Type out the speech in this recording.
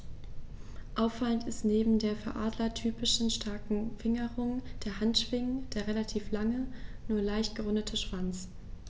Auffallend ist neben der für Adler typischen starken Fingerung der Handschwingen der relativ lange, nur leicht gerundete Schwanz.